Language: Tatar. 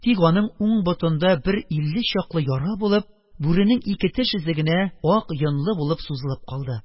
Тик аның уң ботында бер илле чаклы яра булып, бүренең ике теш эзе генә ак йонлы булып сузылып калды...